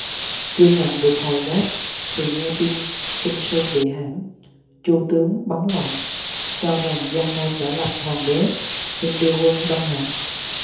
chưa nhận được hồi đáp thì nghe tin kinh sư bị hãm chư tướng bấn loạn cho rằng giang nam đã lập hoàng đế xin đưa quân đông hạ